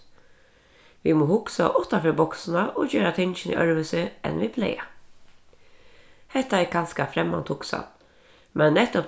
vit mugu hugsa uttan fyri boksina og gera tingini øðrvísi enn vit plaga hetta er kanska fremmand hugsan men nettupp